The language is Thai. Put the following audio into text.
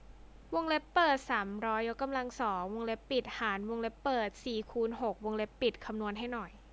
วงเล็บเปิดสามร้อยยกกำลังสองวงเล็บปิดหารวงเล็บเปิดสี่คูณหกวงเล็บปิดคำนวณให้หน่อย